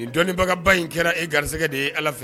Nin dɔnnibagaba in kɛra e garisɛgɛ de ye ala fɛ.